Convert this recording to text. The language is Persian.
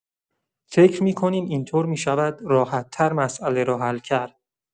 فکر می‌کنیم این‌طور می‌شود راحت‌تر مسئله را حل کرد.